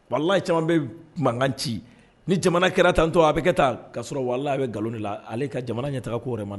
Walala caman bɛ mankan ci ni jamana kɛra tan n to a bɛ kɛ taa ka sɔrɔ wali bɛ nkalon la ale ka jamana ɲɛta ko wɛrɛ ma